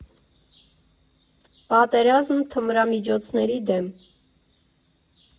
Պատերազմ թմրամիջոցների դեմ։